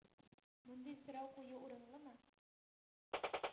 Мондый сорау кую урынлымы?